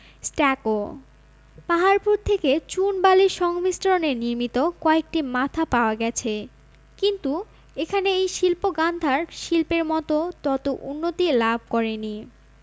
stucco Paharpur থেকে চুন বালির সংমিশ্রণে নির্মিত কয়েকটি মাথা পাওয়া গেছে কিন্তু এখানে এই শিল্প গান্ধার শিল্পের মত তত উন্নতি লাভ করে নি